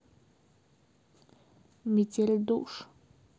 метель душ